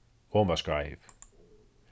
hon var skeiv